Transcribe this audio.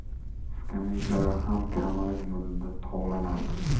skameykalar ham kamalak nurida tovlanardi